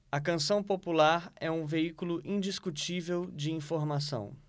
a canção popular é um veículo indiscutível de informação